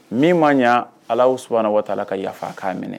Min ma ɲɛ ala su waa ka yafa' minɛ